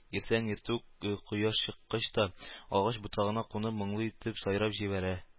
Иртән-иртүк, кояш чыккач та, агач ботагына кунып моңлы итеп сайрап җибәрә